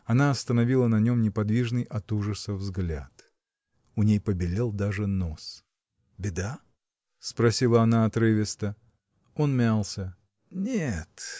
Она остановила на нем неподвижный от ужаса взгляд. У ней побелел даже нос. — Беда? — спросила она отрывисто. Он мялся. — Нет.